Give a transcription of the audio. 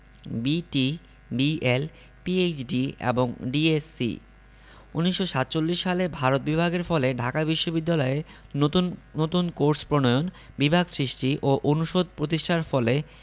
BT BL PhD এবং DSc ১৯৪৭ সালে ভারত বিভাগের ফলে ঢাকা বিশ্ববিদ্যালয়ে নতুন নতুন কোর্স প্রণয়ন বিভাগ সৃষ্টি ও অনুষদ প্রতিষ্ঠার ফলে